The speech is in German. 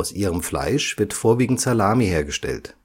ihrem Fleisch wird vorwiegend Salami hergestellt